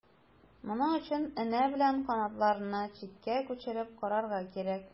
Моның өчен энә белән канатларны читкә күчереп карарга кирәк.